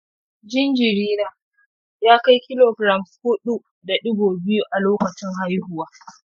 jinjiri na ya kai kilograms huɗu da ɗigo biyu a lokacin haihuwa.